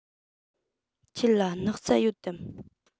ཁྱེད ལ སྣག ཚ ཡོད དམ